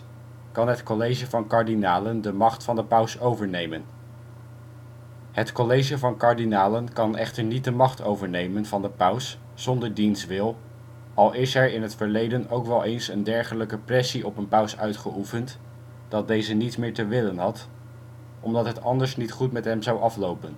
College van Kardinalen de macht van de paus overnemen. Het College van Kardinalen kan echter niet de macht overnemen van de paus zonder diens wil, al is er in het verleden ook wel eens dergelijke pressie op een paus uitgeoefend dat deze niets meer te willen had, omdat het anders niet goed met hem zou aflopen